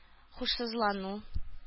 Һушсызлану